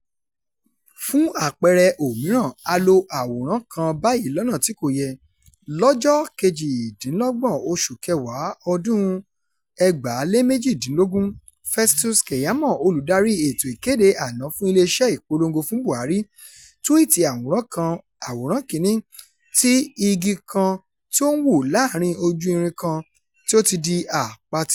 Fún àpẹẹrẹ òmíràn, a lo àwòrán kan báyìí lọ́nà tí kò yẹ. Lọ́jọ́ 28, oṣù kẹwàá, ọdún-un, 2018, Festus Keyamo, olùdarí ètò ìkéde àná fún Iléeṣẹ́ Ìpolongo fún Buhari, túwíìtì àwòrán kan (Aworan 1) ti igi kan tí ó ń wù láàárín ojú irin kan tí ó ti di àpatì: